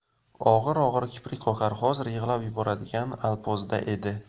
og'ir og'ir kiprik qoqar hozir yig'lab yuboradigan alpozda edi